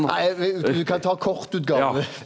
nei du kan ta kortutgåva.